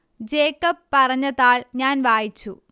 Jacob പറഞ്ഞ താൾ ഞാൻ വായിച്ചു